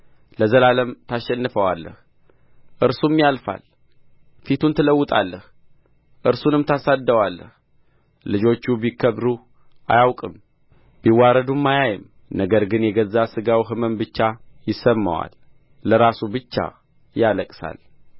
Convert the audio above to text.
ለዘላለም ታሸንፈዋለህ እርሱም ያልፋል ፊቱን ትለውጣለህ እርሱንም ትሰድደዋለህ ልጆቹ ቢከብሩ አያውቅም ቢዋረዱም አያይም ነገር ግን የገዛ ሥጋው ሕመም ብቻ ይሰማዋል ለራሱም ብቻ ያለቅሳል